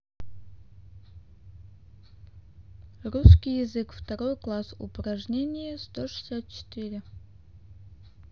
русский язык второй класс упражнение сто шестьдесят четыре